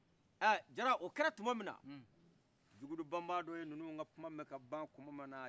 ɛ jara o kɛra tun ma minna jugudu banbadɔ ye nunun ka kuma mɛn tuma minna